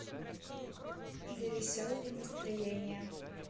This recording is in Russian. для веселого настроения